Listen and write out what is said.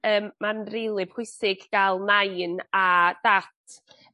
...yym ma'n rili pwysig ga'l nain a dat